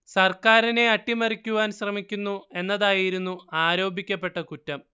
സർക്കാരിനെ അട്ടിമറിക്കുവാൻ ശ്രമിക്കുന്നു എന്നതായിരുന്നു ആരോപിക്കപ്പെട്ട കുറ്റം